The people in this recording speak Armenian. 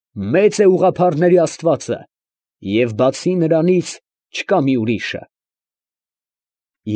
Մե՛ծ է ուղղափառների աստվածը և բացի նրանից չկա մի ուրիշը։